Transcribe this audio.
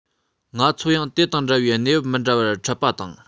ང ཚོ ཡང དེ དང འདྲ བའི གནས བབ མི འདྲ བར འཕྲད པ དང